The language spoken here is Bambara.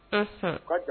Unhun